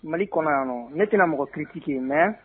Mali kɔnɔ yan nɔ ne tɛna mɔgɔ critiquer, mais